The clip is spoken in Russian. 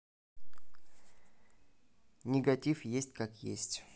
негатив есть как есть